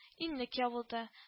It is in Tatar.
Иннек ябылды